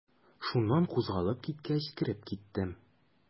Шуннан кузгалып киткәч, кереп киттем.